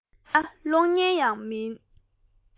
མིན ལ གློག བརྙན ཡང མ ཡིན